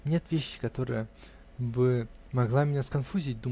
"Нет вещи, которая бы могла меня сконфузить!